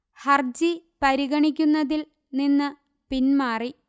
ഹർജി പരിഗണിക്കുന്നതിൽ നിന്ന് പിന്മാറി